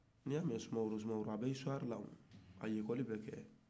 n'i ya mɛ sumaworo sumaworo a bɛ ekɔlila o a isuwari bɛ kɛ